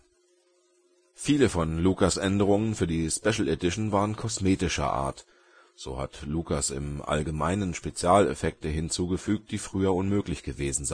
Viele von Lucas Änderungen für die Special Edition waren kosmetischer Art, so hat Lucas im Allgemeinen Spezialeffekte hinzugefügt, die früher unmöglich gewesen